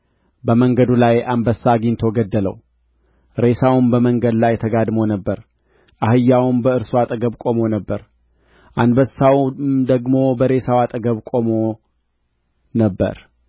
በመንገዱ ላይ አንበሳ አግኝቶ ገደለው ሬሳውም በመንገድ ላይ ተጋድሞ ነበር አህያውም በእርሱ አጠገብ ቆሞ ነበር አንበሳውም ደግሞ በሬሳው አጠገብ ቆሞ ነበር